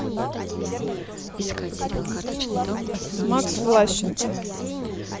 макс влащенко